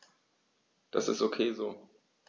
Das ist ok so.